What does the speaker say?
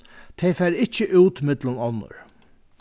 tey fara ikki út millum onnur